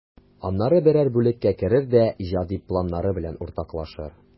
Аннары берәр бүлеккә керер дә иҗади планнары белән уртаклашыр.